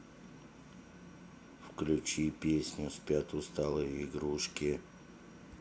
включи песню спят усталые игрушки